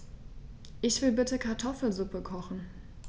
Ich will bitte Kartoffelsuppe kochen.